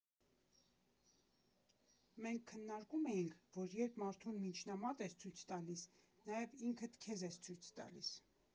Մենք քննարկում էինք, որ երբ մարդուն միջնամատ ես ցույց տալիս, նաև ինքդ քեզ ես ցույց տալիս։